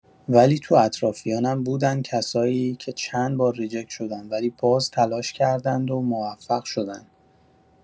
ولی تو اطرافیانم بودن کسایی که چندبار ریجکت شدن ولی باز تلاش کردند و موفق‌شدن